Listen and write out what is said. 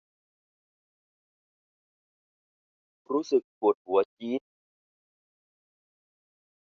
รู้สึกปวดหัวจี๊ด